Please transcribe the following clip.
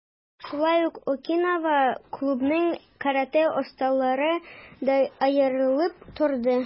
Шулай ук, "Окинава" клубының каратэ осталары да аерылып торды.